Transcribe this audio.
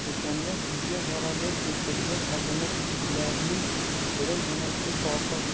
o'shanda bizga g'alaba keltirgan azamat yigitlarning biri mana shu tohir